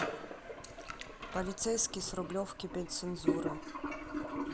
полицейский с рублевки без цензуры